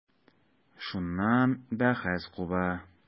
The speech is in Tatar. Шуннан бәхәс куба.